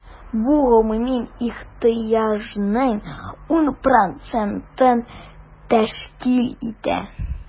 Бу гомуми ихтыяҗның 10 процентын тәшкил итә.